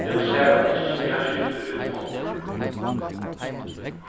nú sær hann ikki so bjartskygdur út longur